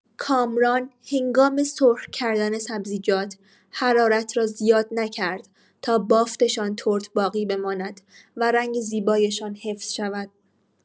کامران هنگام سرخ کردن سبزیجات، حرارت را زیاد نکرد تا بافتشان ترد باقی بماند و رنگ زیبایشان حفظ شود.